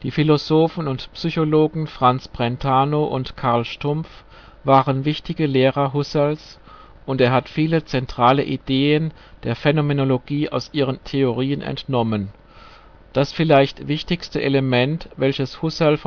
Philosophen und Psychologen Franz Brentano und Carl Stumpf waren wichtige Lehrer Husserls, und er hat viele zentrale Ideen der Phänomenologie aus ihren Theorien entnommen. Das vielleicht wichtigste Element welches Husserl